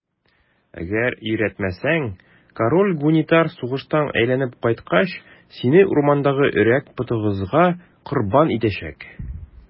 Әгәр өйрәтмәсәң, король Гунитар сугыштан әйләнеп кайткач, сине урмандагы Өрәк потыгызга корбан итәчәк.